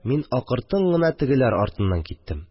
Ин акыртын гына тегеләр артыннан киттем